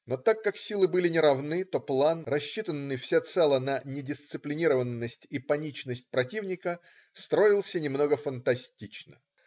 Но так как силы были неравны, то план, рассчитанный всецело на недисциплинированность и паничность противника, строился немного фантастично.